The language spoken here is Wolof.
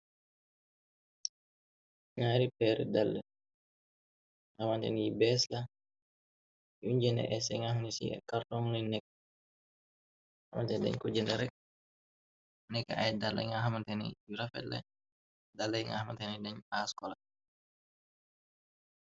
Ñaari peeri dalle yu xawanten yi bees la, yuñjenda es nga xamantene ci karton leeñ nekka, xamante ni dañ ko jenda rekk, nekk ay dalla yi nga xamanteni yu rafet leñ, dalle yi nga xamanteni dañ aaskola.